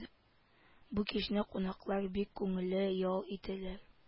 Бу кичне кунаклар бик күңелле ял итәләр